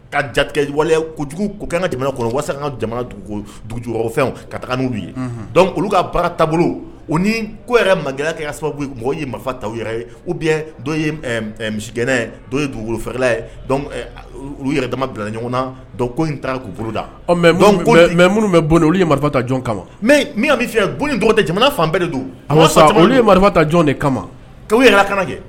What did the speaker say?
Ka jatigiwaleya kojugu kokan ka jamana kɔnɔ waa ka jamana dugujɛfɛnw ka taa ye dɔnku olu ka baara taabolo u ni ko yɛrɛ man kɛ sababu mɔgɔw ye marifa ta yɛrɛ ye u ye misi dɔw ye dugukolofɛla ye olu yɛrɛ dama bila ɲɔgɔn na ko in taara k'da mɛ minnu bɛ olu ye marifa ta jɔn kama mɛ min bɛ fɛ dɔgɔtɛ jamana fan bɛɛ de don sa olu ye marifa ta jɔn de kama ka u yɛrɛ ka kɛ